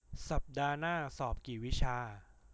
สัปดาห์หน้าสอบกี่วิชา